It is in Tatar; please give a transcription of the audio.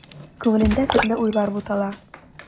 Күңелендә төрле уйлар бутала.